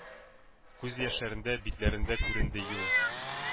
Күз яшьләрдән битләрендә күренде юл;